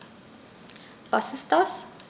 Was ist das?